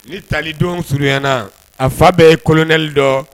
Ni talidon surunyana a fa bɛ ye kolonɛli dɔ